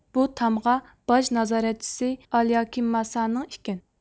بۇ تامغا باج نازارەتچىسى ئالياكېمماسانىڭ ئىكەن